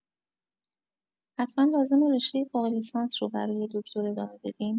حتما لازمه رشتۀ فوق‌لیسانس رو برای دکتر ادامه بدیم؟